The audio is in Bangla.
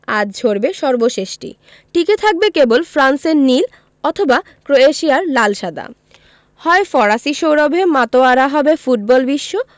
আজ ঝরবে সর্বশেষটি টিকে থাকবে কেবল ফ্রান্সের নীল অথবা ক্রোয়েশিয়ার লাল সাদা হয় ফরাসি সৌরভে মাতোয়ারা হবে ফুটবলবিশ্ব